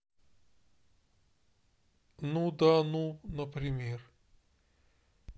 ну да ну например